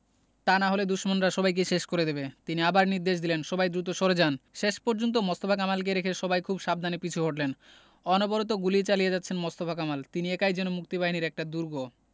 তা না হলে দুশমনরা সবাইকে শেষ করে দেবে তিনি আবার আদেশ দিলেন সবাই দ্রুত সরে যান শেষ পর্যন্ত মোস্তফা কামালকে রেখে সবাই খুব সাবধানে পিছু হটলেন অনবরত গুলি চালিয়ে যাচ্ছেন মোস্তফা কামাল তিনি একাই যেন মুক্তিবাহিনীর একটা দুর্গ